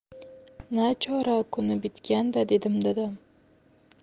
nachora kuni bitgan da dedi dadam